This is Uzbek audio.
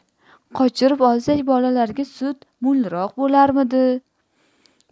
qochirib olsak bolalarga sut mo'lroq bo'larmidi